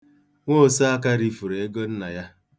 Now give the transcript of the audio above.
Nwa oseaka rifuru ego nna ya.